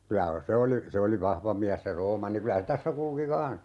kyllä se oli se oli vahva mies se Roomanni kyllä se tässä kulki kanssa